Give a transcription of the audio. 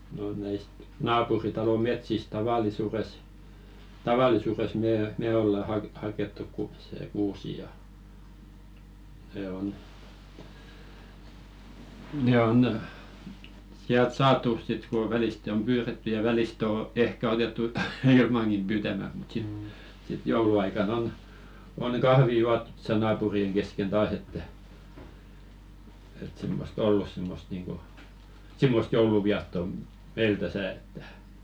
no näistä naapuritalon metsistä tavallisuudessa tavallisuudessa me me ollaan - haettu - se kuusi ja ne on ne on sieltä saatu sitten kun välistä on pyydetty ja välistä on ehkä otettu ilmankin pyytämättä mutta sitten sitten jouluaikana on on kahvia juotu tuossa naapurien kesken taas että että semmoista ollut semmoista niin kuin semmoista joulunviettoa meillä tässä että